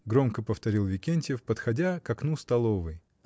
— громко повторил Викентьев, подходя к окну столовой.